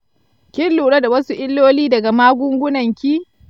kin lura da wasu illoli daga magungunanki?